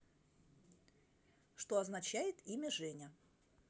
что означает имя женя